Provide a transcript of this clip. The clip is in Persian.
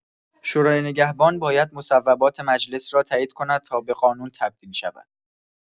شورای نگهبان باید مصوبات مجلس را تایید کند تا به قانون تبدیل شود.